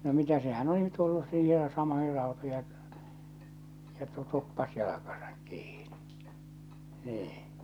no mitä sehän oli tullut siihen ja samoihin rautoihin ja kettu tuppasi jalkansa kiinni niin